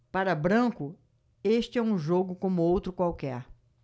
para branco este é um jogo como outro qualquer